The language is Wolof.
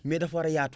mais dafa war a yaatu